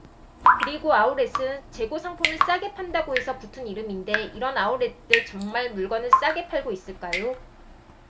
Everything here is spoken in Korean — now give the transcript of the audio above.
그리고 아웃렛은 재고 상품을 싸게 판다고 해서 붙은 이름인데 이런 아웃렛들 정말 물건을 싸게 팔고 있을까요